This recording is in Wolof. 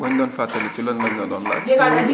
boo ma doon fàttali ci lan lañu la doon laaj